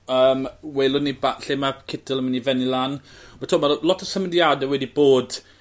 yym welwn ni ba- lle ma' Kittel yn myn' i fennu lan ma' t'wo' ma' 'na lot o symudiadau wedi bod